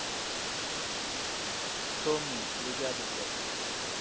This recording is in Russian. томми бригады блядь